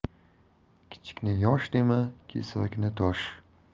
kichikni yosh dema kesakni tosh